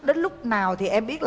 đến lúc nào thì em biết